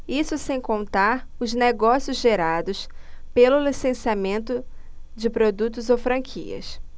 isso sem contar os negócios gerados pelo licenciamento de produtos ou franquias